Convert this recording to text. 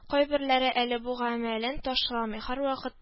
Кайберләре әле бу гамәлен ташламый, һәрвакыт